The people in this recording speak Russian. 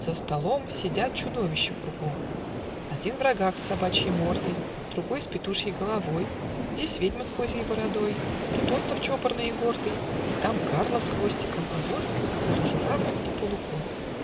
за столом Сидят чудовища кругом: Один в рогах с собачьей мордой, Другой с петушьей головой, Здесь ведьма с козьей бородой, Тут остов чопорный и гордый, Там карла с хвостиком, а вот Полужуравль и полукот.